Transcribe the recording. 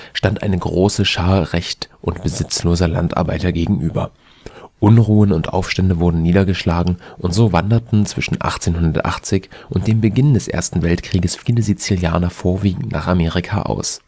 stand eine große Schar recht - und besitzloser Landarbeiter gegenüber. Unruhen und Aufstände wurden niedergeschlagen und so wanderten zwischen 1880 und dem Beginn des ersten Weltkriegs viele Sizilianer vorwiegend nach Amerika aus